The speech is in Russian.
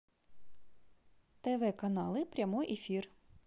тв каналы прямой эфир